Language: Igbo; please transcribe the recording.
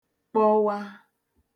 kpọwa